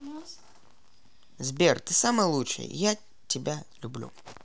сбер ты самый лучший я тебя люблю